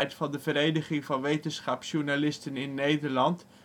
van de Vereniging van Wetenschapsjournalisten in Nederland